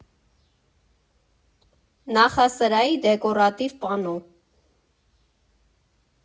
Նախասրահի դեկորատիվ պանո։